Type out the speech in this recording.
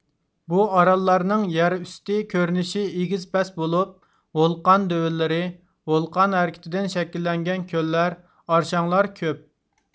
بۇ ئاراللارنىڭ يەر ئۈستى كۆرۈنۈشى ئېگىز پەس بولۇپ ۋولقان دۆۋىلىرى ۋولقان ھەرىكىتىدىن شەكىللەنگەن كۆللەر ئارشاڭلار كۆپ